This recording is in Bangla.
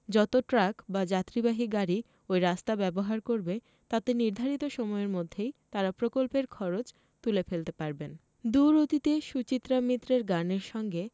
যতো ট্রাক বা যাত্রীবাহী গাড়ী ওই রাস্তা ব্যবহার করবে তাতে নির্ধারিত সময়ের মধ্যেই তাঁরা প্রকল্পের খরচ তুলে ফেলতে পারবেন দূর অতীতে সুচিত্রা মিত্রের গানের সঙ্গে